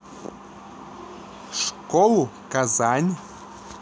школу казань